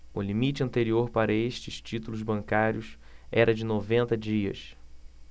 o limite anterior para estes títulos bancários era de noventa dias